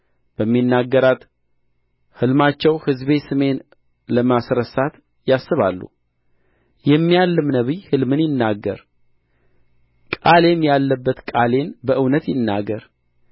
በሚናገራት ሕልማቸው ሕዝቤ ስሜን ለማስረሳት ያስባሉ የሚያልም ነቢይ ሕልምን ይናገር ቃሌም ያለበት ቃሌን በእውነት ይናገር